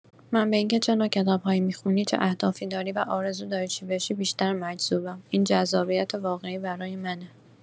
من به اینکه چه نوع کتاب‌هایی می‌خونی، چه اهدافی داری، و آرزو داری چی بشی، بیشتر مجذوبم، این جذابیت واقعی برای منه.